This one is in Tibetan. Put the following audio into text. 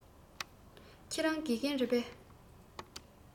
ཁྱེད རང དགེ རྒན རེད པས